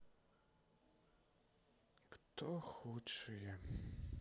кто худшие